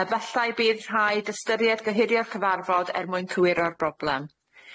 Yy fallai bydd rhaid ystyried gyhyrio'r cyfarfod er mwyn cywiro'r broblem.